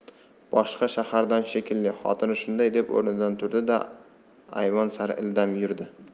boshqa shahardan shekilli xotini shunday deb o'rnidan turdi da ayvon sari ildam yurdi